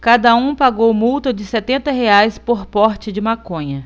cada um pagou multa de setenta reais por porte de maconha